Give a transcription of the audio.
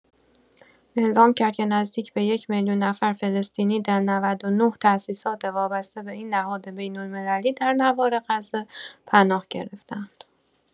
اعلام کرد که نزدیک به یک‌میلیون نفر فلسطینی در ۹۹ تاسیسات وابسته به این نهاد بین‌المللی در نوار غزه پناه گرفته‌اند.